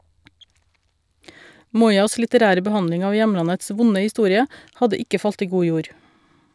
Moyas litterære behandling av hjemlandets vonde historie hadde ikke falt i god jord.